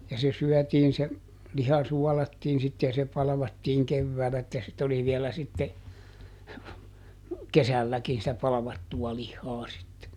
ja se syötiin se liha suolattiin sitten ja se palvattiin keväällä että sitten oli vielä sitten kesälläkin sitä palvattua lihaa sitten